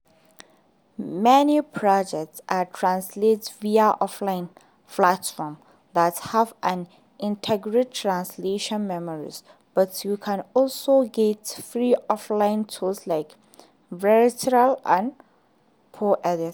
Many projects are translated via online platforms that have an integrated translation memory, but you can also get free offline tools like Virtaal or Poedit.